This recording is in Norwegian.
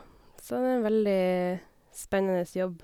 Så det er en veldig spennende jobb.